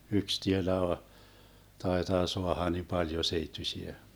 yksi tielä taitaa saada niin paljon seittyisiä